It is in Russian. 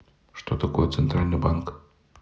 что такое центральный банк